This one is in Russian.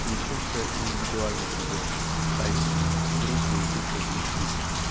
Не просто индивидуально другой, а именно другой духовный тип.